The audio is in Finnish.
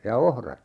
ja ohrat